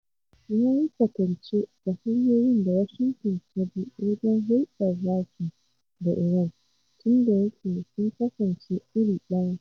Yayi kwatance da hanyoyin da Washington ta bi wajen hulɗan Rasha da Iran, tun da yake sun kasance iri ɗaya.